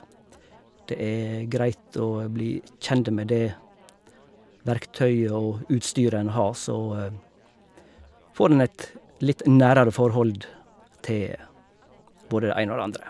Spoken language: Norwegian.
Det er greit å bli kjent med det verktøyet og utstyret en har, så får en et litt nærere forhold til både det ene og det andre.